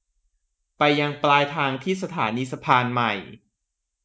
ไปยังปลายทางที่สถานีสะพานใหม่